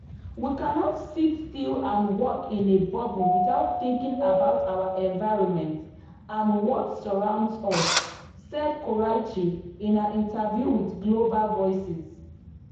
“We cannot sit still and work in a bubble without thinking about our environment and what surrounds us,” said Koraichi in an interview with Global Voices.